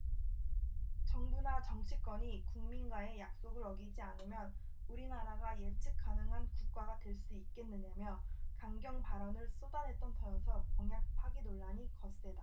정부나 정치권이 국민과의 약속을 어기지 않으면 우리나라가 예측 가능한 국가가 될 수 있겠느냐며 강경 발언을 쏟아냈던 터여서 공약 파기 논란이 거세다